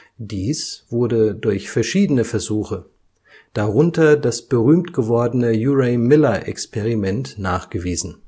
Diese wurde durch verschiedene Versuche, darunter das berühmt gewordene Urey-Miller-Experiment, nachgewiesen